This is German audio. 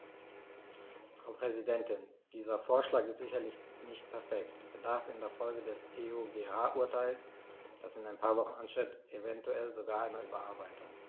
Frau Präsidentin, dieser Vorschlag ist sicherlich nicht perfekt und bedarf in Folge des EuGH-Urteils, das in ein paar Wochen ansteht, eventuell sogar einer Überarbeitung.